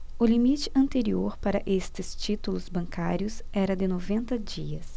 o limite anterior para estes títulos bancários era de noventa dias